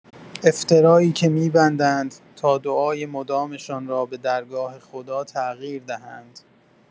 افترایی که می‌بندند تا دعای مدامشان را به درگاه خدا تغییر دهند.